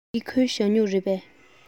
འདི ཁོའི ཞ སྨྱུག རེད པས